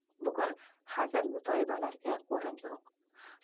bugun hazil mutoyibalarga o'rin yo'q